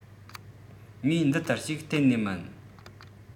ངའི འདི ལྟར ཞིག གཏན ནས མིན